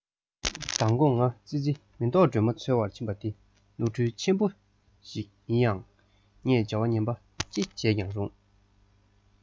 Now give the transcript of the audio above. མདང དགོང ང རང ཙི ཙི མེ ཏོག སྒྲོན མ འཚོལ བར ཕྱིན པ དེ ནོར འཁྲུལ ཆེན པོ ཞིག ཡིན ཡིན ཡང ངས བྱ བ ངན པ ཅི བྱས ཀྱང རུང